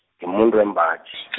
ngimumuntu wembaji .